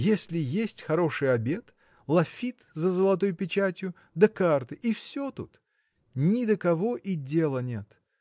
Если есть хороший обед, лафит за золотой печатью да карты – и все тут ни до кого и дела нет!